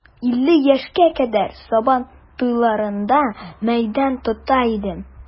Илле яшькә кадәр сабан туйларында мәйдан тота идем.